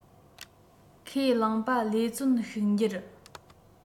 ཁས བླངས པ ལས བརྩོན ཕྱུག འགྱུར